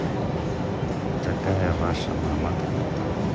какая ваша мама